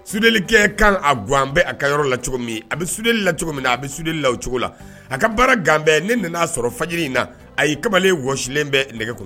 Suurdilikɛ kan a gan an bɛ a ka yɔrɔ la cogo min a bɛ suurli la cogo min a bɛ suurdi la o cogo la a ka baara ganbɛn ne nana aa sɔrɔ faji in na a ye kamalen wasilen bɛ nɛgɛ kɔnɔ